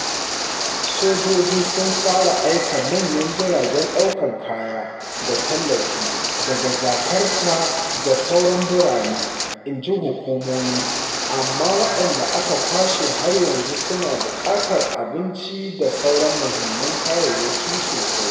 Sojoji sun fara aika manyan jiragen ɗaukan kaya da tallafi daga Jakarta da sauran birane, inji hukumomi, amma waɗanda aka kwashen har yanzu suna buƙatar abinci da sauran muhimman kayayyaki sosai.